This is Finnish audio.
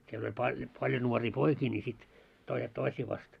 siellä oli - paljon nuoria poikia niin sitten toiset toisia vastaan